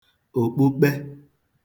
òkpukpe